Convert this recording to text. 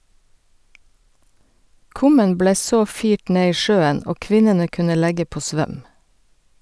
Kummen ble så firt ned i sjøen, og kvinnene kunne legge på svøm.